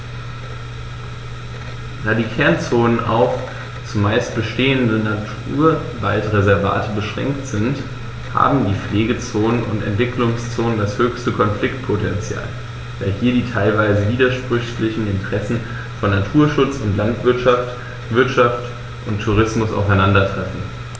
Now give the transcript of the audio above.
Da die Kernzonen auf – zumeist bestehende – Naturwaldreservate beschränkt sind, haben die Pflegezonen und Entwicklungszonen das höchste Konfliktpotential, da hier die teilweise widersprüchlichen Interessen von Naturschutz und Landwirtschaft, Wirtschaft und Tourismus aufeinandertreffen.